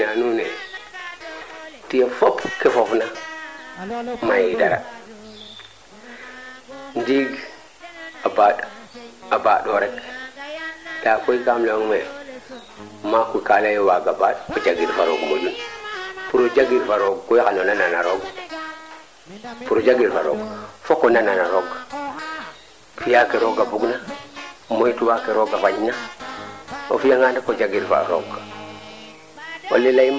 xan rooga xema nin im xemba na nuun o fogo Diaekh fo commune Diarekh fop im xenda na nuun ndiing nene i nduuf na bo yakaarin yasam baa rooga tas yakaarin ku kiina yakaarna no ndiing nene yasam o jiño rin fo ɓaslof